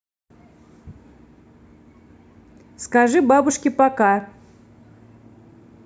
скажи бабушке пока